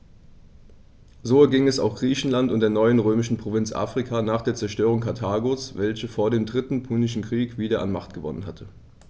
So erging es auch Griechenland und der neuen römischen Provinz Afrika nach der Zerstörung Karthagos, welches vor dem Dritten Punischen Krieg wieder an Macht gewonnen hatte.